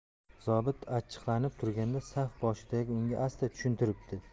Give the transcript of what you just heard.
zobit achchiqlanib turganda saf boshidagi unga asta tushuntiribdi